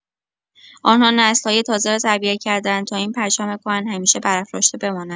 آنها نسل‌های تازه را تربیت کرده‌اند تا این پرچم کهن همیشه برافراشته بماند.